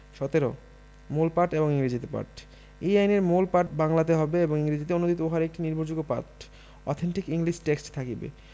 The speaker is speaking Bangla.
মূল পাঠ এবং ইংরেজীতে পাঠঃ এই আইনের মূল পাঠ বাংলাতে হইবে এবং ইংরেজীতে অনূদিত উহার একটি নির্ভরযোগ্য পাঠ অথেন্টিক ইংলিশ টেক্সট থাকিবে